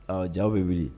Aa jaa bɛ wuli